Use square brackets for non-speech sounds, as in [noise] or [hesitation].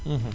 [hesitation] [hesitation]